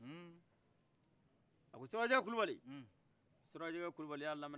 a ko surakajɛ kulubali surakajɛ kulubal y'a laminɛ